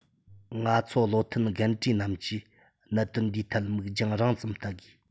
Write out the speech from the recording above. ང ཚོ བློ མཐུན རྒན གྲས རྣམས ཀྱིས གནད དོན འདིའི ཐད མིག རྒྱང རིང ཙམ བལྟ དགོས